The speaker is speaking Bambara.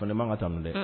Fa man ka taaun dɛ